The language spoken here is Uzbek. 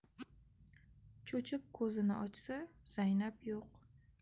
cho'chib ko'zini ochsa zaynab yo'q